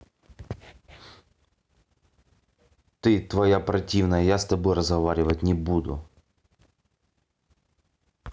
ты твоя противная я с тобой разговаривать не буду